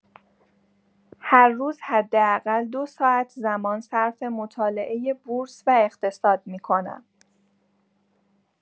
هر روز حداقل دو ساعت زمان صرف مطالعه بورس و اقتصاد می‌کنم.